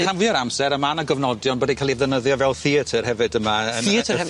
Rhan fwya'r amser a ma' 'ny gofnodion bod e ca'l 'i ddefnyddio fel theatr hefyd yma yn yy... Theatr hefyd?